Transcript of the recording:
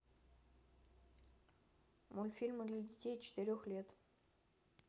мультфильмы для детей четырех лет